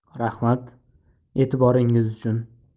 rahmat e'tiboringiz uchun